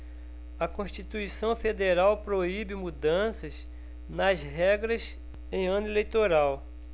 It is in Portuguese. a constituição federal proíbe mudanças nas regras em ano eleitoral